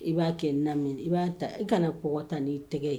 I b'a kɛ na i b'a i kana kɔɔgɔ tan n'i tɛgɛ ye